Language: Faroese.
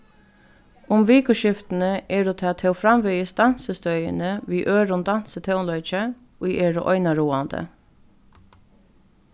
um vikuskiftini eru tað tó framvegis dansistøðini við øðrum dansitónleiki ið eru einaráðandi